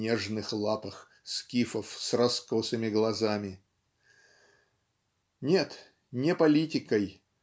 нежных лапах" скифов с раскосыми глазами. Нет не политикой